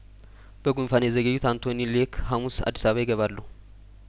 በጉንፋን የዘገዩት አንቶኒ ሌክ ሀሙስ አዲስ አበባ ይገባሉ